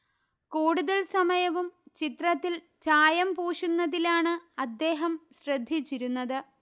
കൂടുതൽ സമയവും ചിത്രത്തിൽ ചായം പൂശുന്നതിലാണ് അദ്ദേഹം ശ്രദ്ധിച്ചിരുന്നത്